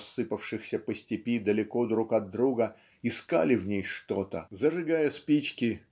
рассыпавшихся по степи далеко друг от друга искали в ней что-то зажигая спички